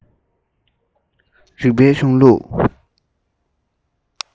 རིག པའི གཞུང ལུགས